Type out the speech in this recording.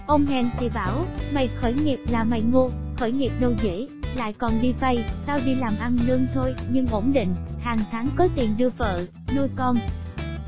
ông hèn thì bảo mày khởi nghiệp là mày ngu khởi nghiệp đâu dễ lại còn đi vay tao đi làm ăn lương thôi nhưng ổn định hàng tháng có tiền đưa vợ nuôi con